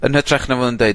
...yn hytrach na fo'n deu